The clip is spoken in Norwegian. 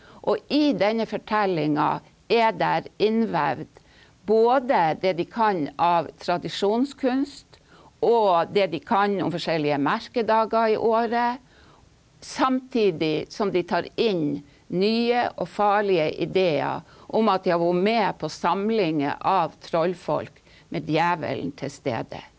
og i denne fortellinga er der innvevd både det de kan av tradisjonskunst og det de kan om forskjellige merkedager i året, samtidig som de tar inn nye og farlige ideer om at de har vært med på samlinger av trollfolk med djevelen til stede.